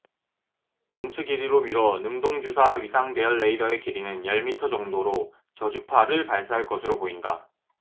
동체 길이로 미뤄 능동주사 위상 배열 레이더의 길이는 열 미터 정도로 저주파 를 발사할 것으로 보인다